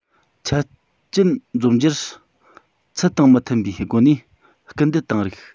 ཆ རྐྱེན འཛོམ རྒྱུར ཚུལ དང མི མཐུན པའི སྒོ ནས སྐུལ འདེད བཏང རིགས